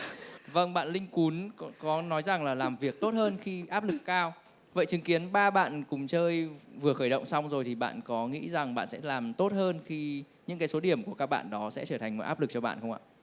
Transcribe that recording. vâng bạn linh cún có có nói rằng là làm việc tốt hơn khi áp lực cao vậy chứng kiến ba bạn cùng chơi vừa khởi động xong rồi thì bạn có nghĩ rằng bạn sẽ làm tốt hơn khi những cái số điểm của các bạn đó sẽ trở thành một áp lực cho bạn không ạ